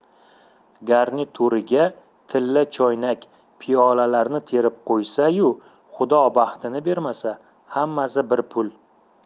garnito'riga tilla choynak piyolalarni terib qo'ysa yu xudo baxtini bermasa hammasi bir pul